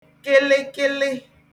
kịlịkịlị